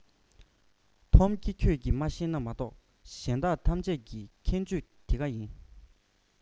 འཐོམ གྱེ ཁྱོད ཀྱིས མ ཤེས ན མ གཏོགས གཞན དག ཐམས ཅད ཀྱི མཁྱེན སྤྱོད དེ ག ཡིན